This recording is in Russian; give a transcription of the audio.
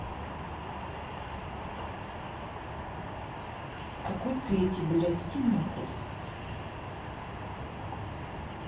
какой ты эти блядь иди нахуй